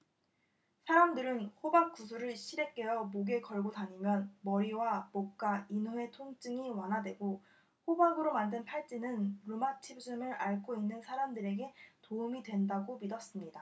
사람들은 호박 구슬을 실에 꿰어 목에 걸고 다니면 머리와 목과 인후의 통증이 완화되고 호박으로 만든 팔찌는 류머티즘을 앓고 있는 사람들에게 도움이 된다고 믿었습니다